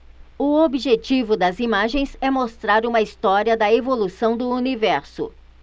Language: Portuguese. o objetivo das imagens é mostrar uma história da evolução do universo